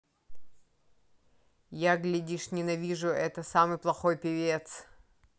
я глядишь ненавижу это самый плохой певец